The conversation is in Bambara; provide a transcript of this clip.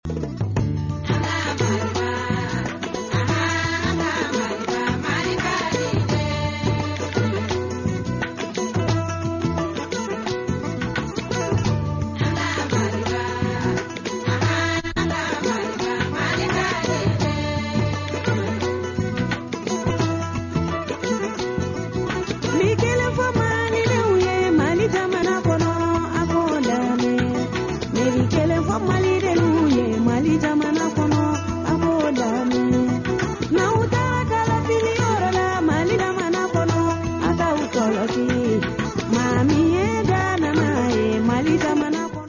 Karikari ye mali jakɔrɔ ko la den ye mali ja kɔnɔda makɔrɔ mali jakɔrɔkɔrɔ ma mali ja